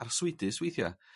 arswydus weithia'.